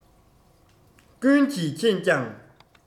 ཀུན གྱིས མཁྱེན ཀྱང